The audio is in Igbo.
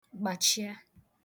gbàchịa